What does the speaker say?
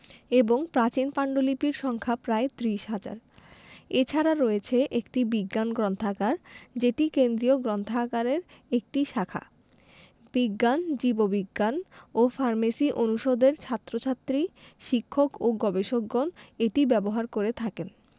এবং প্রাচীন পান্ডুলিপির সংখ্যা প্রায় ত্রিশ হাজার এছাড়া রয়েছে একটি বিজ্ঞান গ্রন্থাগার যেটি কেন্দ্রীয় গ্রন্থাগারের একটি শাখা বিজ্ঞান জীববিজ্ঞান ও ফার্মেসি অনুষদের ছাত্রছাত্রী শিক্ষক ও গবেষকগণ এটি ব্যবহার করে থাকেন